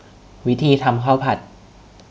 วิธีทำข้าวผัด